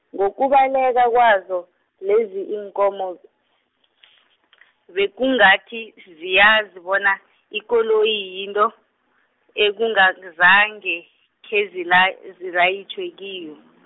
nokubaleka kwazo, lezi iinkomo, bekungathi ziyazi bona, ikoloyi yinto, ekungazange, khezila- zilayitjhwe, kiyo.